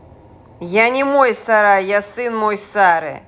я не мой сарай я сын мой сары